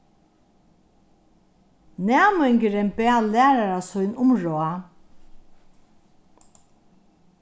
næmingurin bað lærara sín um ráð